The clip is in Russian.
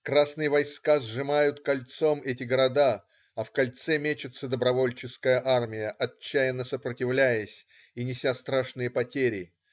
Красные войска сжимают кольцом эти города, а в кольце мечется Добровольческая армия, отчаянно сопротивляясь и неся страшные потери.